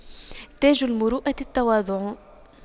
تاج المروءة التواضع